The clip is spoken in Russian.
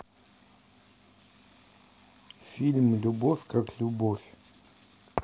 фильм любовь как любовь